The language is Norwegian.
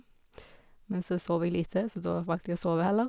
Men så sov jeg lite, så da valgte jeg å sove, heller.